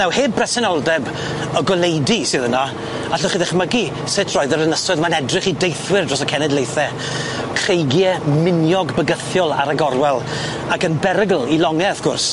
Now, heb bresenoldeb y goleudy sydd yna, allwch chi ddychmygu sut roedd yr Ynysoedd 'ma'n edrych i deithwyr dros y cenedlaethe creigie miniog bygythiol ar y gorwel, ac yn berygl i longe, wrth gwrs.